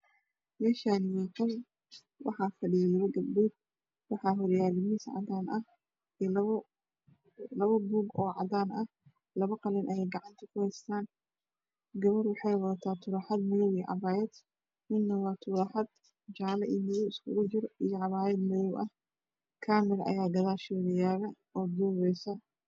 Meeshaani waa qol waxaa fadhiyo labo gabdhood waxaa horyaalo miis cadaana ah iyo labo buug oo cadaan ah qalin ayey gacanta ku haystaan gabar waxay wadataa turuxad madow iyo cabaayad midna waa turuxad jaale iyo madow isugu jira iyo cabaayad madow ah kaamira ayaa gadaasheeda yaalo oo duubayso